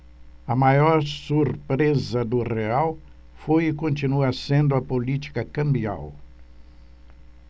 a maior surpresa do real foi e continua sendo a política cambial